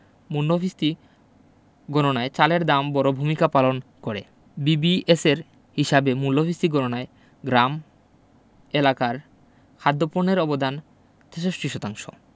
মূল্যস্ফীতি গণনায় চালের দাম বড় ভূমিকা পালন করে বিবিএসের হিসাবে মূল্যস্ফীতি গণনায় গ্রাম এলাকায় খাদ্যপণ্যের অবদান ৬৩ শতাংশ